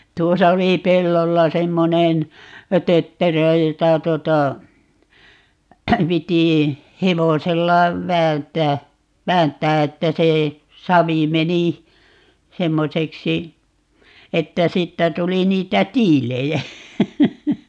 tuossa oli pellolla semmoinen tötterö jota tuota piti hevosella vääntää vääntää että se savi meni semmoiseksi että siitä tuli niitä tiiliä